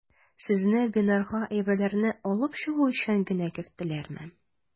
Сезне бинага әйберләрне алып чыгу өчен генә керттеләрме?